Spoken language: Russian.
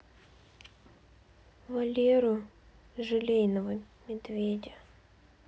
валеру желейного медведя